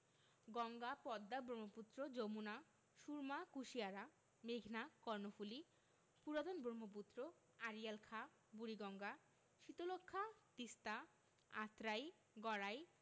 গঙ্গা পদ্মা ব্রহ্মপুত্র যমুনা সুরমা কুশিয়ারা মেঘনা কর্ণফুলি পুরাতন ব্রহ্মপুত্র আড়িয়াল খাঁ বুড়িগঙ্গা শীতলক্ষ্যা তিস্তা আত্রাই গড়াই